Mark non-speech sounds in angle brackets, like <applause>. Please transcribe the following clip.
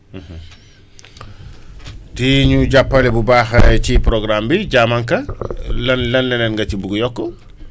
<hesitation> <hesitation> <breath> <noise> di ñu jàppale bu baax ci programme bi Diamanka <noise> lan lan la leneen nga ci bugg yokk